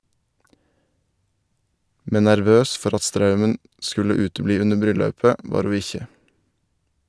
Men nervøs for at straumen skulle utebli under bryllaupet, var ho ikkje.